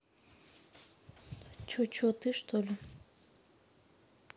че че ты что ли